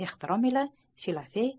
ehtirom ila filofey